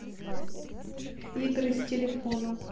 игры с телефоном